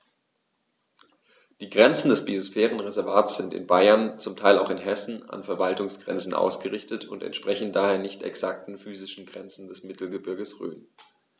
Die Grenzen des Biosphärenreservates sind in Bayern, zum Teil auch in Hessen, an Verwaltungsgrenzen ausgerichtet und entsprechen daher nicht exakten physischen Grenzen des Mittelgebirges Rhön.